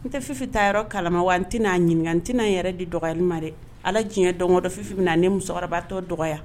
N tɛ Fifi tagayɔrɔ kalama wa n tɛna a ɲininka n tɛna n yɛrɛ di dɔgɔyali ma dɛ, Ala ye diɲɛ don o don Fifi bɛna ne musokɔrɔbatɔ dɔgɔya